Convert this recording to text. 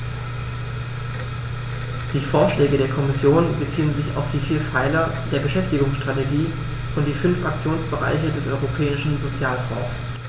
Die Vorschläge der Kommission beziehen sich auf die vier Pfeiler der Beschäftigungsstrategie und die fünf Aktionsbereiche des Europäischen Sozialfonds.